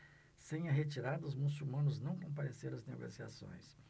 sem a retirada os muçulmanos não compareceram às negociações